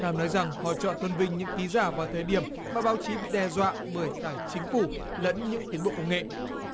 ta nói rằng họ chọn tôn vinh những ký giả vào thời điểm mà báo chí bị đe dọa bởi cả chính phủ lẫn những tiến bộ công nghệ